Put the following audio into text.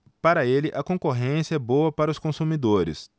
para ele a concorrência é boa para os consumidores